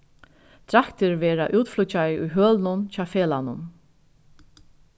draktir verða útflýggjaðar í hølunum hjá felagnum